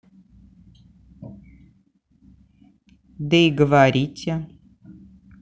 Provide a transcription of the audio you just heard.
да и говорите